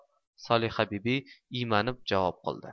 solihabibi iymanib javob qildi